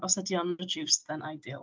Os ydi o'n reduced, then ideal.